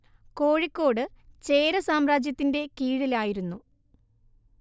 കോഴിക്കോട് ചേര സാമ്രാജ്യത്തിന്റെ കീഴിലായിരുന്നു